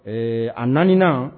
Ee a nanan